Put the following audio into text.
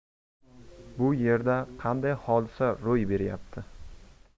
bu yerda qanday hodisa ro'y berayapti